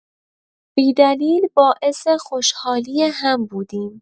بی‌دلیل باعث خوشحالی هم بودیم.